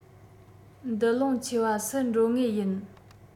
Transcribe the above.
འདུ ལོང ཆེ བ སུ འགྲོ ངེས ཡིན